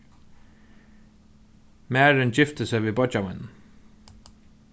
marin gifti seg við beiggja mínum